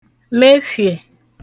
mefhiè